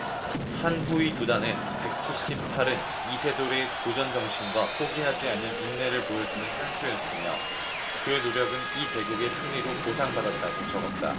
판후이 두 단은 백 칠십 팔 은 이세돌의 도전정신과 포기하지 않는 인내를 보여주는 한 수였으며 그의 노력은 이 대국의 승리로 보상받았다고 적었다